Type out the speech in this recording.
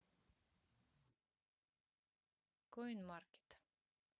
coin маркет